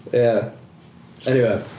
Ia eniwe...